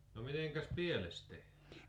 no mitenkäs pieles tehtiin